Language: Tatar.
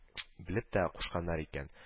Белеп тә кушканнар икән